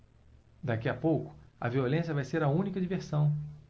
daqui a pouco a violência vai ser a única diversão